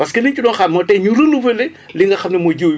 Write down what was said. parce que tey li ñu ci doon xaar mooy tey ñu renouveller li nga xam ne mooy jiw